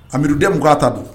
Amidu Dɛmu ka ta don.